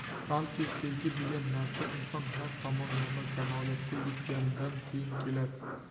balki sevgi degan narsa inson har tomonlama kamolotga yetgandan keyin kelar